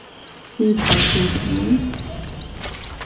sipar tú til mín